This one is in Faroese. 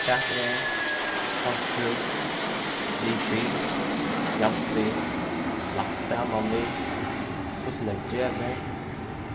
hvat er kanst tú ligvið javnt við lagt saman við hvussu nógv gevur